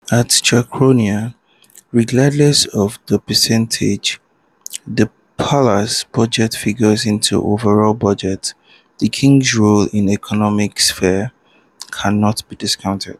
@charquaouia: Regardless of the percentage the palace's budget figures into the overall budget, the king's role in economic sphere can't be discounted.